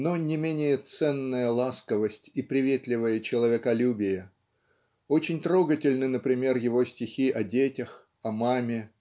но не менее ценная ласковость и приветливое человеколюбие очень трогательны например его стихи о детях о маме